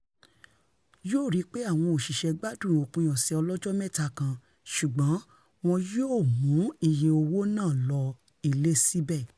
Yóò ríi pé àwọn òṣiṣẹ́ gbádùn òpin ọ̀sẹ̀ ọlọ́jọ́-mẹ́ta kan - ṣùgbọ́n wọ́n yóò mú iye owó náà lọ ilé síbẹ̀.